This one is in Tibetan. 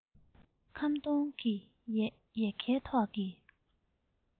ཁམ སྡོང གི ཡལ གའི ཐོག གི